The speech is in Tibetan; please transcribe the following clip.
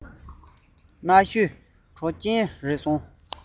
གནའ ཤུལ གྲགས ཅན རེད གསུངས